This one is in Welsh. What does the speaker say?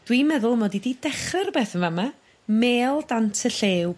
Dwi'n meddwl mod i 'di dechre rwbeth yn fa' 'ma. Mêl dant y llew...